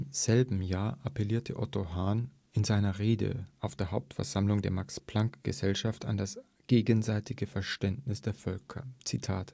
selben Jahr appellierte Otto Hahn in seiner Rede auf der Hauptversammlung der Max-Planck-Gesellschaft an das gegenseitige Verständnis der Völker: „ Wir